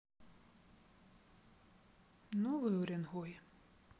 новый уренгой